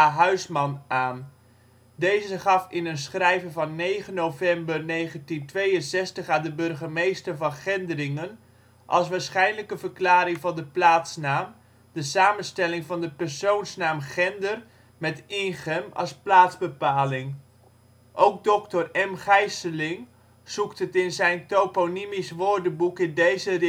Huisman aan. Deze gaf in een schrijven van 9 november 1962 aan de burgemeester van Gendringen als waarschijnlijke verklaring van de plaatsnaam de samenstelling van de persoonsnaam Gender met - inchem als plaatsbepaling. Ook dr. M. Gysseling zoekt het in zijn toponymisch woordenboek in deze